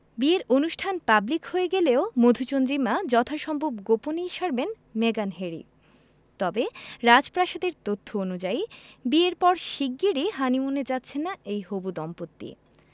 বিয়ের অনুষ্ঠান পাবলিক হয়ে গেলেও মধুচন্দ্রিমা যথাসম্ভব গোপনেই সারবেন মেগান হ্যারি তবে রাজপ্রাসাদের তথ্য অনুযায়ী বিয়ের পর শিগগিরই হানিমুনে যাচ্ছেন না এই হবু দম্পতি